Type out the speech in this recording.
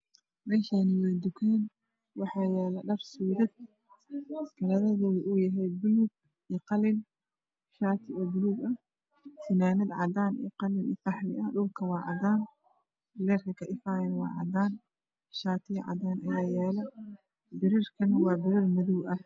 Meeshaani waa tukaan waxaa yaalo dhar suudad kalarkeedu uu yahay buluug iyo qalin ah.shaati buluug ah iyo Fanaanad cadaan , qalin iyo qaxwi ah dhulku waa cadaan leyrka ka ifaayana waa cadaan, shaati cadaan ah ayaa yaala birarkana waa birar madow ah.